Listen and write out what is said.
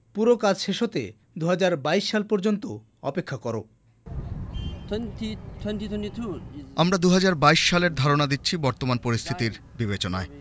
পুরো কাজ শেষ হতে ২০২২ সাল পর্যন্ত অপেক্ষা কর আমরা ২০২২ সালের ধারণা দিচ্ছি বর্তমান পরিস্থিতির বিবেচনায়